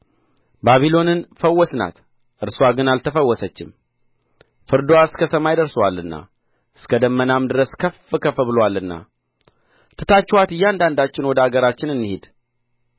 ባቢሎንን ፈወስናት እርስዋ ግን አልተፈወሰችም ፍርድዋ እስከ ሰማይ ደርሶአልና እስከ ደመናም ድረስ ከፍ ከፍ ብሎአልና ትታችኋት እያንዳንዳችን ወደ አገራችን እንሂድ